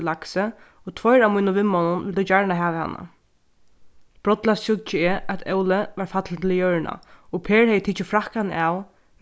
við laksi og tveir av mínum vinmonnum vildu gjarna hava hana brádliga síggi eg at óli var fallin til jørðina og per hevði tikið frakkan av